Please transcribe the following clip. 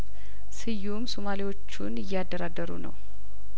ስዩም ሶማሌዎቹን እያደራደሩ ነው